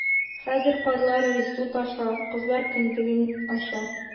Хәзер карлар эри, су таша - кызлар кендеген ача...